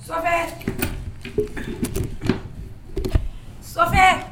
Sɔfɛ, sɔfɛ